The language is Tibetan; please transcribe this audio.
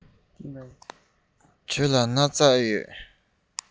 ཁྱེད རང ལ སྣག ཚ ཡོད པས